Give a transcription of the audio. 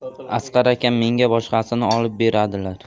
asqar akam menga boshqasini olib beradilar